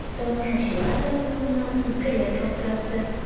Тамашачылар да соңыннан үпкәләп шалтыратты.